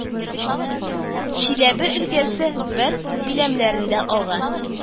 Чиләбе өлкәсе бер биләмләрендә ага